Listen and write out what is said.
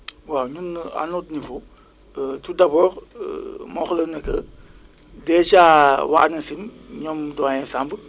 waaw ñun à notre niveau tout d' abord ma wax la ne que dèjà waa ANACIM ñoom doyen Samb